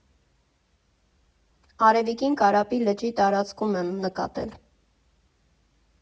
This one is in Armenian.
Արևիկին Կարապի լճի տարածքում եմ նկատել։